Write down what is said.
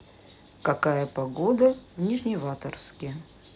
какая погода в нижневартовске